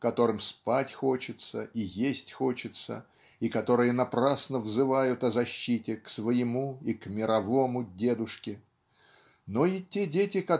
которым спать хочется и есть хочется и которые напрасно взывают о защите к своему и к мировому дедушке но и те дети